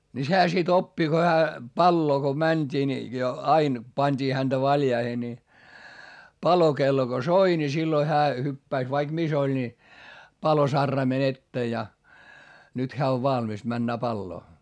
niin sehän sitten oppi kun hän paloa kun mentiin niin jo aina pantiin häntä valjaisiin niin palokello kun soi niin silloin hän hyppäsi vaikka missä oli niin palosaraimen eteen ja nyt hän on valmis menemään paloa